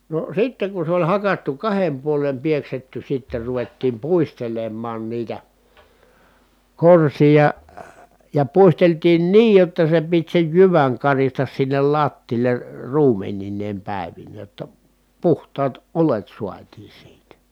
no sitten kun se oli hakattu kahden puolen pieksetty sitten ruvettiin puistelemaan niitä korsia ja puisteltiin niin jotta se piti sen jyvän karista sinne lattialle ruumenineen päivineen jotta puhtaat oljet saatiin siitä